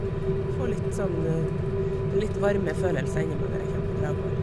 Får litt sånn litt varme følelser inni meg når jeg kjem på Dragvoll.